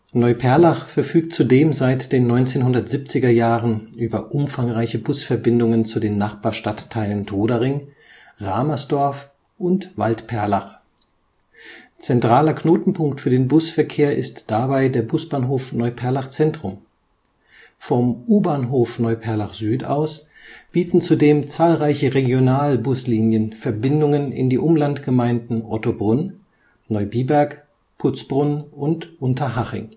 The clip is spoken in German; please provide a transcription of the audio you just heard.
Neuperlach verfügt zudem seit den 1970er-Jahren über umfangreiche Busverbindungen zu den Nachbarstadtteilen Trudering, Ramersdorf und Waldperlach. Zentraler Knotenpunkt für den Busverkehr ist dabei der Busbahnhof Neuperlach Zentrum. Vom U-Bahnhof Neuperlach Süd aus bieten zudem zahlreiche Regionalbuslinien Verbindungen in die Umlandgemeinden Ottobrunn, Neubiberg, Putzbrunn und Unterhaching